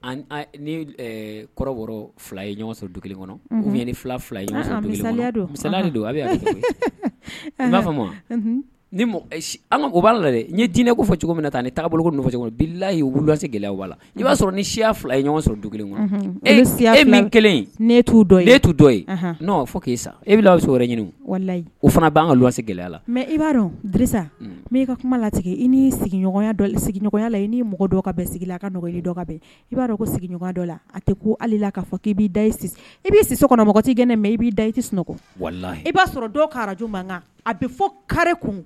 Kɔrɔ wɔɔrɔ fila ye sɔrɔ du kelen kɔnɔ fila fila don a i b'a o b'a la dɛ diinɛ ko fɔ cogo min mina tan ni taabolo bolo kofɔbilila wuluwasi gɛlɛya la i b'a sɔrɔ ni siya fila ye ɲɔgɔn sɔrɔ kelen kɔnɔ e e kelen' e' fɔ k'i sa e bɛ bɛ so ɲini o fana b' ka sigi la mɛ i b'a dɔnsai ka kuma latigi i sigiya i sigiya la i mɔgɔ bɛ sigi a kakɔli i b'a dɔn sigiɲɔgɔn dɔ la a tɛ ko hali la'a fɔ k b'i da i' kɔnɔ mɔgɔ tɛ kɛn ne mɛn i b'i da i tɛ sunɔgɔ wali i b'a sɔrɔj a bɛ fɔ kari kun